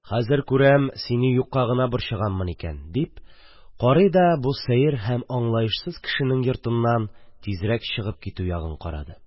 Хәзер күрәм: сине юкка гына борчыганмын икән, – дип, карый да бу сәер һәм аңлаешсыз кешенең йортыннан тизрәк чыгып китү ягын карады.